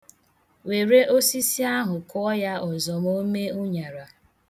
Were osisi ahụ kụọ ya ọzọ ma o mee ụṅara.